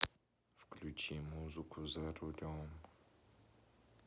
включи музыку за рулем